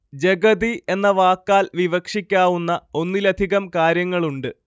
ജഗതി എന്ന വാക്കാൽ വിവക്ഷിക്കാവുന്ന ഒന്നിലധികം കാര്യങ്ങളുണ്ട്